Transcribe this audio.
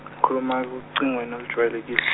ngikhuluma ocingweni olujwayekile.